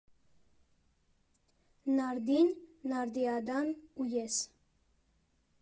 ՆԱՐԴԻՆ, ՆԱՐԴԻԱԴԱՆ ՈՒ ԵՍ։